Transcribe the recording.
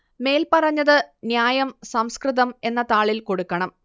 മേൽ പറഞ്ഞത് ന്യായം സംസ്കൃതം എന്ന താളിൽ കൊടുക്കണം